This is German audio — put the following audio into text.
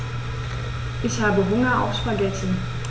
Ich habe Hunger auf Spaghetti.